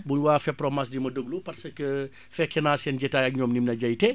muy waa FEPROMAS di ma déglu parce que fekke naa seen jotaay ak ñoom Nimna Diayte